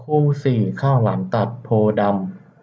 คู่สี่ข้าวหลามตัดโพธิ์ดำ